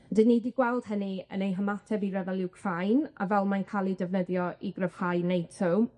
'dyn ni 'di gweld hynny yn ei hymateb i ryfel Wcráin, a fel mae'n ca'l 'i defnyddio i gryfhau NATO,